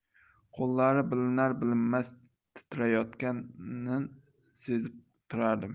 qo'llari bilinar bilinmas titrayotganini sezib turardim